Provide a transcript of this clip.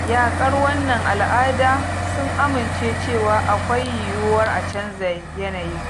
yaƙar wannan al'ada sun amince cewa akwai yiwuwar a canja yanayin.